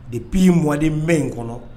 Depuis moi de mai_ in kɔnɔ